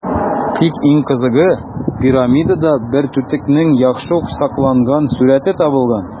Тик иң кызыгы - пирамидада бер түтекнең яхшы ук сакланган сурəте табылган.